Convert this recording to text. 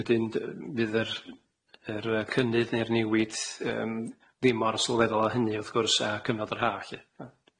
Wedyn dy- yy fydd yr yr yy cynnydd neu'r newid yym ddim mor sylweddol a hynny wrth gwrs a cyfnod yr haf lly.